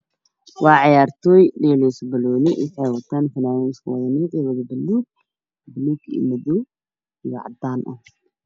Waa ciyaartooy waxay wataan funaanado maaliyado oo wada buluug iyo madoow ah